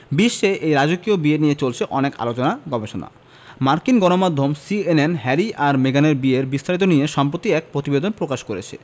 বিশ্বে এই রাজকীয় বিয়ে নিয়ে চলছে অনেক আলোচনা গবেষণা মার্কিন গণমাধ্যম সিএনএন হ্যারি আর মেগানের বিয়ের বিস্তারিত নিয়ে সম্প্রতি এক প্রতিবেদন প্রকাশ করেছে